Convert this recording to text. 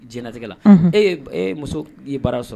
J tɛgɛ la e muso'i baara sɔrɔ